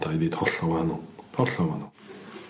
dau fyd hollol wahanol. Hollol wanol.